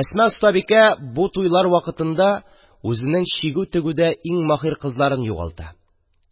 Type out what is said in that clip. Әсма остабикә бу туйлар вакытында үзенең чигү-тегүдә иң маһир кызларын югалта,